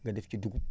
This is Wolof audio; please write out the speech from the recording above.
nga def ci dugub